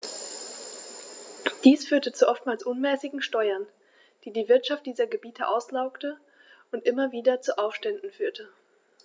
Dies führte zu oftmals unmäßigen Steuern, die die Wirtschaft dieser Gebiete auslaugte und immer wieder zu Aufständen führte.